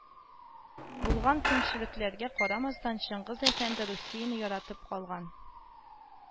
Булган кимчелекләргә карамастан, Чыңгыз әфәнде Русияне яратып калган